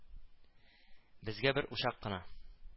Безгә бер учак кына